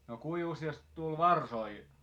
no kuinka useasti tuli varsoja